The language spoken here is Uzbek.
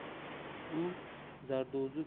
u zardo'zi ko'rpachalar to'shalgan